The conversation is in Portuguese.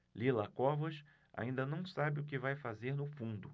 lila covas ainda não sabe o que vai fazer no fundo